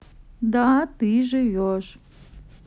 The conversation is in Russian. да ты живешь